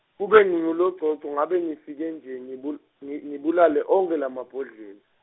kube nginguLogcogco ngabe ngifike nje, ngibul- ngi ngibulale onkhe lamabhodlela.